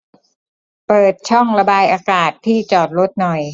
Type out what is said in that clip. เปิดช่องระบายอากาศที่จอดรถหน่อย